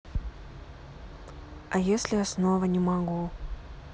а если я снова не могу